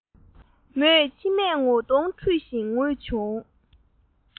མོས མཆིལ མས ངོ གདོང འཁྲུད བཞིན ངུས བྱུང